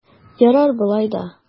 Ярар болай да!